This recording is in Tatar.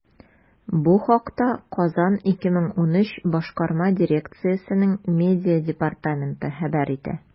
Бу хакта “Казан 2013” башкарма дирекциясенең медиа департаменты хәбәр итә.